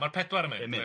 Ma'r pedwar yn mynd.